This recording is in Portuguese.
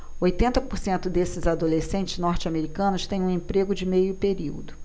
oitenta por cento desses adolescentes norte-americanos têm um emprego de meio período